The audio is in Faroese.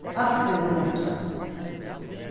alt er umhugsað